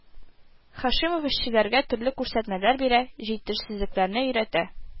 Һашимов эшчеләргә төрле күрсәтмәләр бирә, җитеш-сезлекләрне әйтә